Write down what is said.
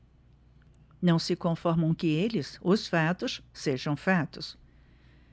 não se conformam que eles os fatos sejam fatos